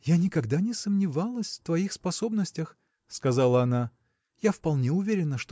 – Я никогда не сомневалась в твоих способностях, – сказала она. – Я вполне уверена